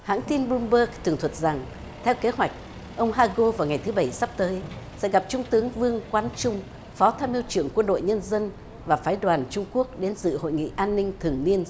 hãng tin bum bơ tường thuật rằng theo kế hoạch ông ha gu vào ngày thứ bảy sắp tới sẽ gặp trung tướng vương quán trung phó tham mưu trưởng quân đội nhân dân và phái đoàn trung quốc đến dự hội nghị an ninh thường niên